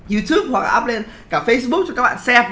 diu túp hoặc ắp lên cả phây búc cho các bạn xem